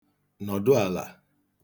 nọ̀dụ àlà